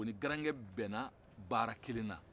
u ni garankɛ bɛna baara kelen na